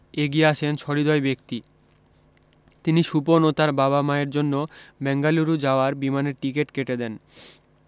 এগিয়ে আসেন সহৃদয় ব্যক্তি তিনি সুপন ও তার বাবা মায়ের জন্য বেঙ্গালুরু যাওয়ার বিমানের টিকিট কেটে দেন